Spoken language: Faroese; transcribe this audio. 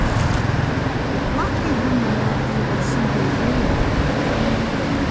pápi hennara er eitt sindur ræðandi